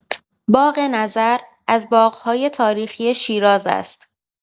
باغ نظر از باغ‌های تاریخی شیراز است.